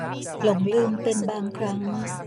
หลงลืมเป็นบางครั้ง